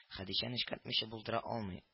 Хәдичә нечкәртмичә булдыра алмый: